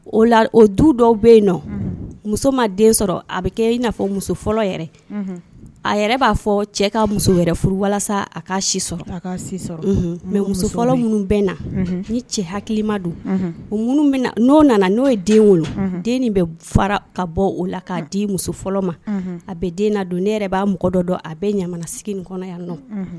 O la o du dɔ bɛ yen muso ma den sɔrɔ a bɛ kɛ ia fɔ muso fɔlɔ yɛrɛ a yɛrɛ b'a fɔ cɛ ka muso wɛrɛ furu walasa a ka mɛ muso fɔlɔ minnu bɛ na ni cɛ hakili ma don n'o nana n'o ye den den bɛ fara ka bɔ o la k'a di muso fɔlɔ ma a bɛ den don ne yɛrɛ b'a mɔgɔ dɔ dɔn a bɛ ɲamanasigi kɔnɔ yan nɔ